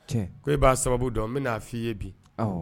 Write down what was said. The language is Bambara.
Ko e b'a sababu dɔn n bɛna'a f' i ye bi